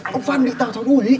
ông phan bị tào tháo đuổi